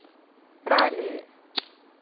r'halli